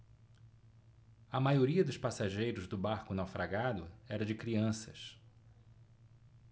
a maioria dos passageiros do barco naufragado era de crianças